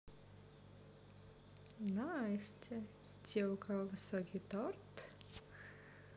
настя те у кого высокий торт